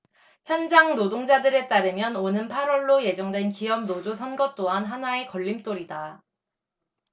현장 노동자들에 따르면 오는 팔 월로 예정된 기업노조 선거 또한 하나의 걸림돌이다